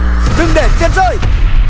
để tiền rơi